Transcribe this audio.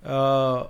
A